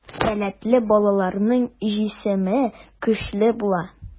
Сәләтле балаларның җисеме көчле була.